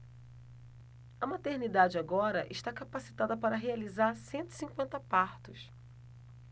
a maternidade agora está capacitada para realizar cento e cinquenta partos